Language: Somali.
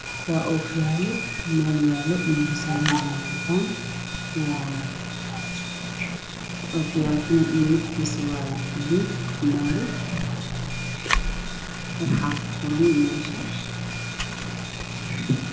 Waa ookiyaalo meel yaalo meesha uu saaran yahay waa cadaan, midabkiisu waa buluug maari.